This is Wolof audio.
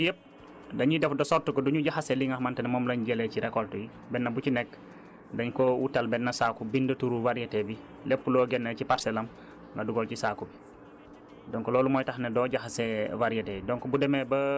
donc yooyu yépp dañuy def de sorte que du ñu jaxase li nga xamante ne moom lañ jëlee ci récolte yi benn bu ci nekk dañu koo utal benn sako bind turu variété bi lépp loo génne ci parcelle am nga dugal ci saako bi donc loolu mooy tax ne doo jaxase variété yi